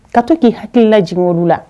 Katɔ k' hakili la jigin olu la